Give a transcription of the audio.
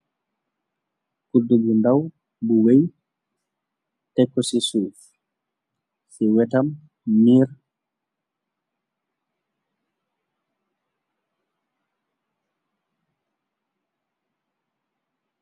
Kuddu bu ndaw bu weng teko ci suuf si wetam miir.